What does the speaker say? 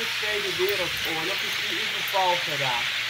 Tweede Wereldoorlog is die in verval geraakt